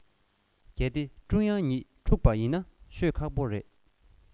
གལ ཏེ ཀྲུང དབྱང རང གཉིད འཁྲུག པ ཡིན ན ཤོད ཁག པོ རེད